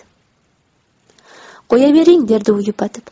qo'yavering derdi u yupatib